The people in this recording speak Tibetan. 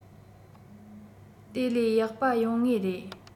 དེ ལས ཡག པ ཡོང ངེས རེད